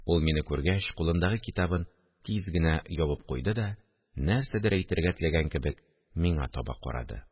Ул, мине күргәч, кулындагы китабын тиз генә ябып куйды да, нәрсәдер әйтергә теләгән кебек, миңа таба карады